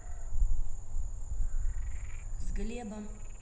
с глебом